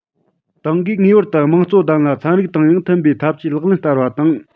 ཏང གིས ངེས པར དུ དམངས གཙོ ལྡན ལ ཚན རིག དང ཡང མཐུན པའི ཐབས ཇུས ལག ལེན བསྟར བ དང